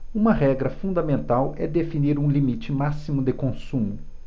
uma regra fundamental é definir um limite máximo de consumo